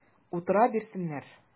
Утыра бирсеннәр!